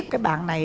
cái bạn này